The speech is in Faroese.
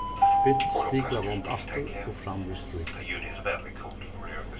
bint stiklavond aftur og fram við strípum